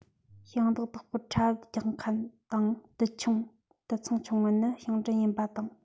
ཞིང བྲན བདག པོར ཁྲལ འུ ལག རྒྱུག མཁན དང དུད ཆུང དུད ཚང ཆུང ངུ ནི ཞིང བྲན ཡིན པ དང